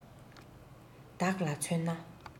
བདག ལ མཚོན ན